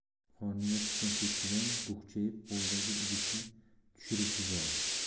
qorniga tushgan tepkidan bukchayib qo'lidagi idishni tushirib yubordi